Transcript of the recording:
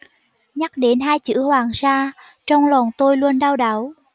nhắc đến hai chữ hoàng sa trong lòng tôi luôn đau đáu